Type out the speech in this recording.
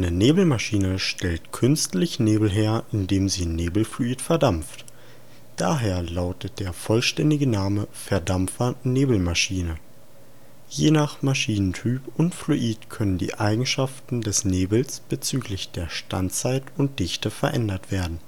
Nebelmaschine stellt künstlichen Nebel her, indem sie Nebelfluid verdampft. Daher lautet der vollständige Name Verdampfer-Nebelmaschine. Je nach Maschinentyp und Fluid können die Eigenschaften des Nebels bezüglich Standzeit und Dichte verändert werden